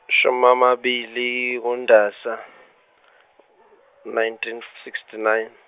shumamabili undasa nineteen sixty nine.